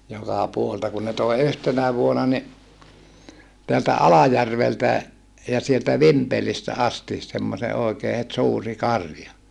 joka puolelta kun ne toi yhtenä vuonna niin täältä Alajärveltä ja sieltä Vimpelistä asti semmoisen oikein heti suuri karja